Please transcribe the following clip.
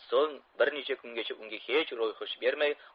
so'ng bir necha kungacha unga hech ro'yxush bermay